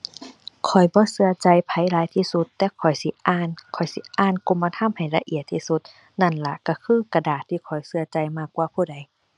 ข้อยบ่เชื่อใจไผหลายที่สุด แต่ข้อยสิอ่าน ข้อยสิอ่านกรมธรรม์ให้ละเอียดที่สุด นั่นล่ะเชื่อคือกระดาษที่ข้อยเชื่อใจมากกว่าผู้ใด